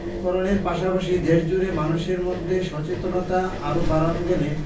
করণের পাশাপাশি দেশজুড়ে মানুষের মধ্যে সচেতনতা আরও বাড়ানো গেলে